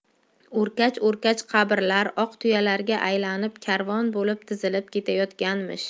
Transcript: o'rkach o'rkach qabrlar oq tuyalarga aylanib karvon bo'lib tizilib ketayotganmish